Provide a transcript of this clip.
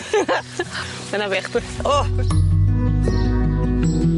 Mae'n afiach bod... O!